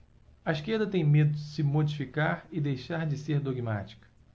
a esquerda tem medo de se modificar e deixar de ser dogmática